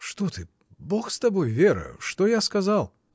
— Что ты, Бог с тобой, Вера: что я сказал?